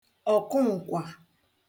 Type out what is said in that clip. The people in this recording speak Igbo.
ọ̀kụǹkwà